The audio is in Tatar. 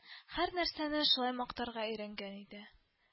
Һәрнәрсәне шулай мактарга өйрәнгән иде